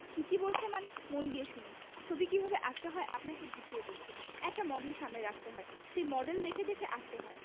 ঠিকই বলছে মানে মন দিয়ে শুনুন ছবি কি ভাবে আঁকতে হয় আপনাকে বুঝিয়ে বলছি একটা মডেল সামনে রাখতে হয় সেই মডেল দেখে দেখে আঁকতে হয়